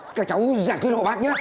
các cháu giải quyết hộ bác nhá